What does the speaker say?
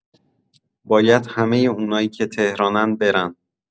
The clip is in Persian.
باید همه اونایی که تهرانن برن